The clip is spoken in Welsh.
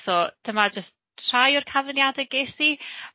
Dyma jyst rhai o'r canlyniadau ges i.